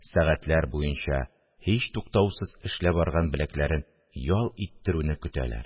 Сәгатьләр буенча һичтуктаусыз эшләп арыган беләкләрен ял иттерүне көтәләр